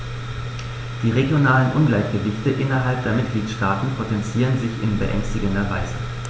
Die regionalen Ungleichgewichte innerhalb der Mitgliedstaaten potenzieren sich in beängstigender Weise.